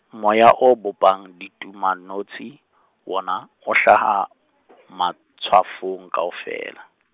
moya o bopang ditumanotshi, wona, o hlaha, matshwafong kaofela.